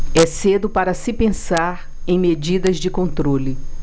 é cedo para se pensar em medidas de controle